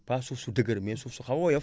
pas suuf su dëgër mais suuf su xaw a woyof